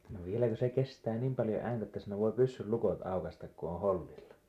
no vieläkö se kestää niin paljon ääntä että siinä voi pyssyn lukot aukaista kun on hollilla